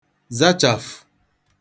zachàfə̣̀